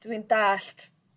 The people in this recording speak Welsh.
dwi'n dallt